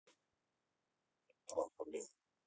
план побега